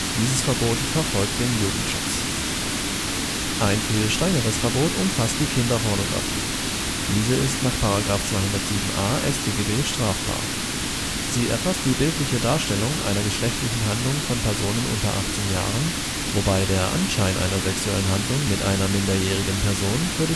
Dieses Verbot verfolgt den Jugendschutz. Ein viel strengeres Verbot erfasst die Kinderpornografie. Diese ist nach § 207a StGB strafbar. Sie erfasst die bildliche Darstellung einer geschlechtlichen Handlung von Personen unter 18 Jahren, wobei der Anschein einer sexuellen Handlung mit einer minderjährigen Person für